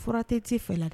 Fura tɛ n'ti fɛ la